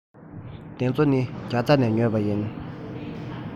འདི ཚོ ནི རྒྱ ཚ ནས ཉོས པ ཡིན